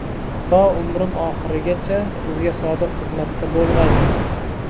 to umrim oxiricha sizga sodiq xizmatda bo'lg'aymen